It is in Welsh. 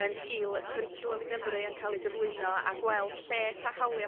yn sgil y Cwricwlwm i Gymru yn cael ei gyflwyno a gweld lles a hawlia'